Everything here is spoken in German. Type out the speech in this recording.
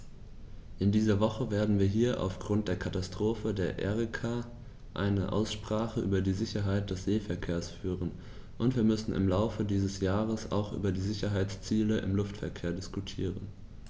In dieser Woche werden wir hier aufgrund der Katastrophe der Erika eine Aussprache über die Sicherheit des Seeverkehrs führen, und wir müssen im Laufe dieses Jahres auch über die Sicherheitsziele im Luftverkehr diskutieren.